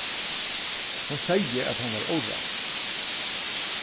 hon segði at hon var órædd